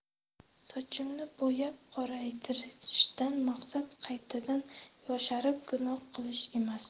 sochimni bo'yab qoraytirishdan maqsad qaytadan yosharib gunoh qilish emas